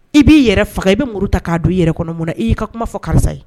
I b'i yɛrɛ faga i bɛ muru ta k'a' i yɛrɛ kɔnɔ mun na i y'i ka kuma fɔ karisa ye